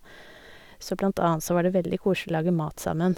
Så blant annet så var det veldig koselig å lage mat sammen.